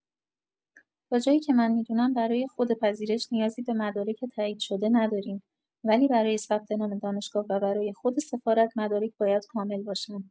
تا جایی که من می‌دونم برای خود پذیرش نیازی به مدارک تایید شده ندارین ولی برای ثبت‌نام دانشگاه و برای خود سفارت مدارک باید کامل باشن.